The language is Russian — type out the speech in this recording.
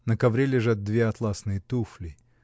На ковре лежат две атласные туфли